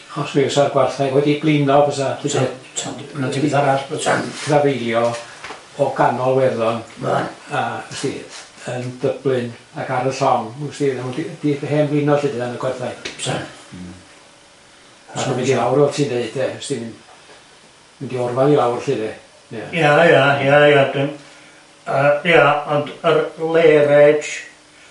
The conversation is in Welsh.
Achos mi fysa'r gwartheg wedi blino fysa... Bysa bysa... trafeilio o gannol Werddon byddan a wsdi yn Dublin ac ar y llong wsdi o'dda n'w 'di hen flino y gwarthag bysa. 'Sa i'n mynd i lawr fel wyt ti'n ddeud de mynd i orfadd i lawr 'lly de? Ia ia ia ia yy ia ond yr lairage